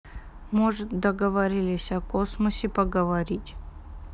может договорились о космосе говорить